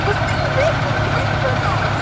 Byswn ni byth yn dweud hwnna.